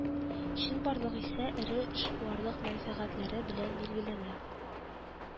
Чынбарлык исә эре эшкуарлык мәнфәгатьләре белән билгеләнә